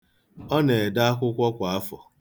Ọ na-ede akwụkwọ kwa afọ.